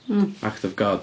Act of god.